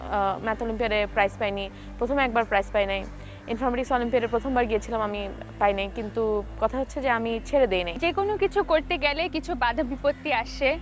math অলিম্পিয়াডে prize পাইনি প্রথম একবার প্রাইস পাই নাই ইনফরমেটিক্স অলিম্পিয়াডে প্রথমবার গিয়েছিলাম আমি পাই নাই কিন্তু কথা হচ্ছে যে আমি ছেড়ে দেই নাই যেকোনো কিছু করতে গেলে কিছু বাধা বিপত্তি আসে